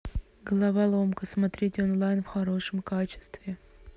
головоломка смотреть онлайн в хорошем качестве